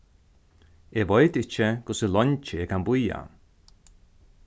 eg veit ikki hvussu leingi eg kann bíða